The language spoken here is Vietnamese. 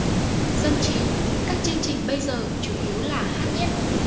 dân trí các chương trình bây giờ chủ yếu là hát nhép